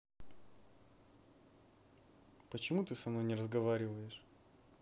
почему ты со мной не разговариваешь